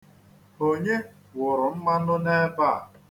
Onye wụrụ mmanụ n'ebe a?